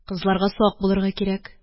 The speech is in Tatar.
Кызларга сак булырга кирәк.